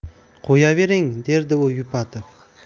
qo'yavering derdi u yupatib